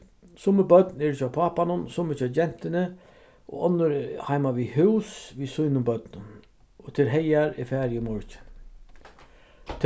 summi børn eru hjá pápanum summi hjá gentuni og onnur heima við hús við sínum børnum og tað er hagar eg fari í morgin